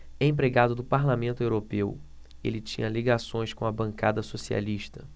empregado do parlamento europeu ele tinha ligações com a bancada socialista